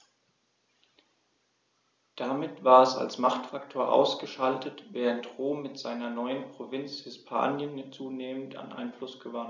Damit war es als Machtfaktor ausgeschaltet, während Rom mit seiner neuen Provinz Hispanien zunehmend an Einfluss gewann.